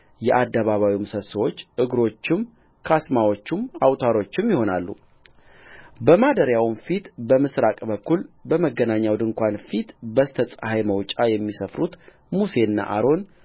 የአደባባይ ምሰሶች እግሮቹም ካስማዎቹም አውታሮቹም ይሆናሉበማደሪያውም ፊት በምሥራቅ በኩል በመገናኛው ድንኳን ፊት በስተ ፀሐይ መውጫ የሚሰፍሩት ሙሴና አሮን